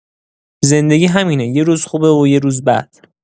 زندگی همینه، یه روز خوبه و یه روز بد.